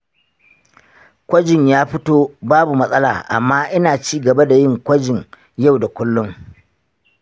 kwajin ya fito babu matsala amma ina cigaba da yin kwajin yau da kullum.